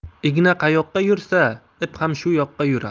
igna qayoqqa yursa ip ham shu yoqqa yurar